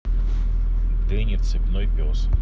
дэнни цепной пес